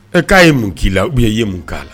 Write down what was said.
Ɛ k'a ye mun k'i la u ye ye mun k'a la